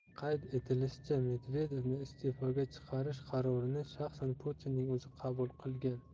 qayd etilishicha medvedevni iste'foga chiqarish qarorini shaxsan putinning o'zi qabul qilgan